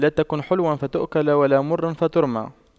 لا تكن حلواً فتؤكل ولا مراً فترمى